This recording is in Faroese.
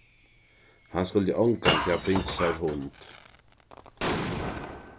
hann skuldi ongantíð havt fingið sær hund